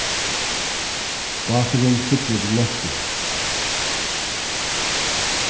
báturin siglir til nólsoyar